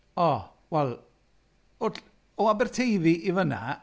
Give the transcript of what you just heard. O wel... O- o Aberteifi i fan'na...